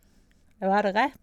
Ja, var det rett?